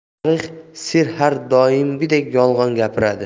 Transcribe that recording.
tarix ser har doimgidek yolg'on gapiradi